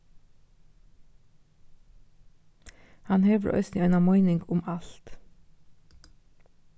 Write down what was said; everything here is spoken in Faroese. hann hevur eisini eina meining um alt